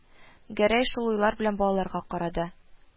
Гәрәй шул уйлар белән балаларга карады